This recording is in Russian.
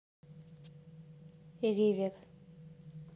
ривер